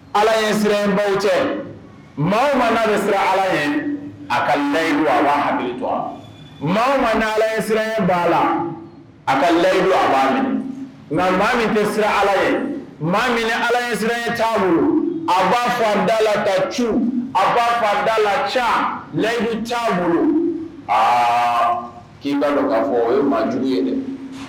Ala ye siranbaw cɛ mɔgɔ ma ni sira ala ye a ka layidu ala mɔgɔ ma ala siran ba la a ka layidubu a' minɛ nka maa min bɛ sira ala ye maa minɛ ala ye siran ca bolo a b' fɔ an dalala da c a b' fɔ dalala ca layibu ca bolo aaa k'i' dɔn kaa fɔ o ye maa jugu ye dɛ